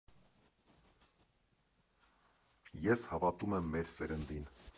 Ես հավատում եմ մեր սերնդին։